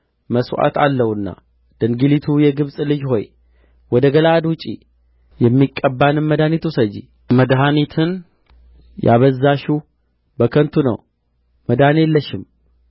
መሥዋዕት አለውና ድንግሊቱ የግብጽ ልጅ ሆይ ወደ ገለዓድ ውጪ የሚቀባንም መድኃኒት ውሰጂ መድኃኒትን ያበዛሽው በከንቱ ነው መዳን የለሽም